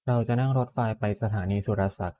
เราจะนั่งรถไฟไปสถานีสุรศักดิ์